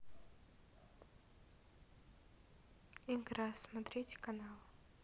игра смотреть канал